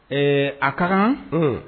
Ee a ka kan unh